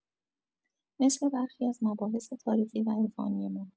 مثل برخی از مباحث تاریخی و عرفانی ما